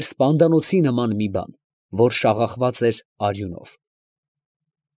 Էր սպանդանոցի նման մի բան, որ շաղախված էր արյունով…։